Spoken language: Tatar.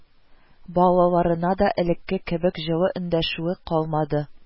Балаларына да элекке кебек җылы эндәшүе калмады